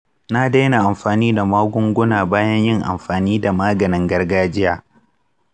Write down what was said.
na daina amfani da magungunana bayan yin amfani da maganin gargajiya.